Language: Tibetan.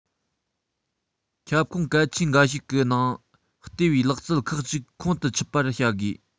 ཁྱབ ཁོངས གལ ཆེན འགའ ཞིག གི ནང ལྟེ བའི ལག རྩལ ཁག ཅིག ཁོང དུ ཆུད པ བྱ དགོས